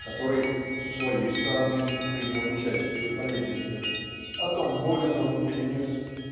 который "с своей стороны принял участие в полемике" о том болен он или нет